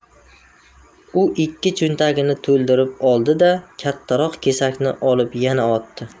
u ikki cho'ntagini to'ldirib oldi da kattaroq kesakni olib yana otdi